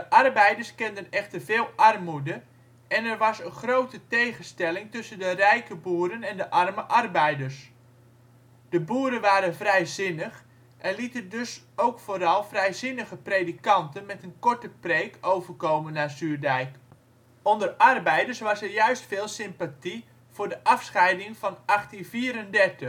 arbeiders kenden echter veel armoede en er was een grote tegenstelling tussen de rijke boeren en de arme arbeiders. De boeren waren vrijzinnig en lieten dus ook vooral vrijzinnige predikanten (met een korte preek) overkomen naar Zuurdijk. Onder arbeiders was er juist veel sympathie voor de Afscheiding van 1834. In 1835 werd